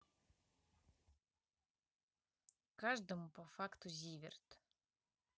каждому по факту zivert